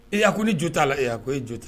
Ee a ko ne jo t'a la ɛ ko e jo tɛ